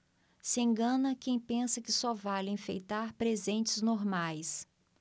se engana quem pensa que só vale enfeitar presentes normais